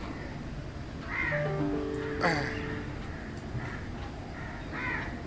че это было блин